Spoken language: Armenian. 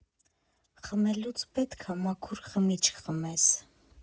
Խմելուց պետք ա մաքուր խմիչք խմես։